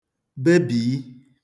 bebìi